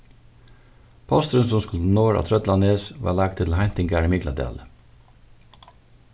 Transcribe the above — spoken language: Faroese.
posturin sum skuldi norður á trøllanes varð lagdur til heintingar í mikladali